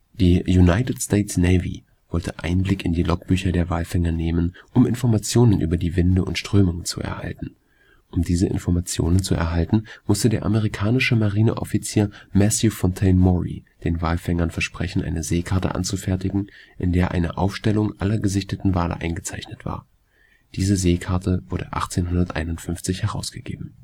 Die United States Navy wollte Einblick in die Logbücher der Walfänger nehmen, um Informationen über die Winde und Strömungen zu erhalten. Um diese Informationen zu erhalten, musste der amerikanische Marineoffizier Matthew Fontaine Maury den Walfängern versprechen, eine Seekarte anzufertigen, in der eine Aufstellung aller gesichteten Wale eingezeichnet war. Diese Seekarte wurde 1851 herausgeben